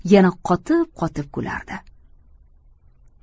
yana qotib qotib kulardi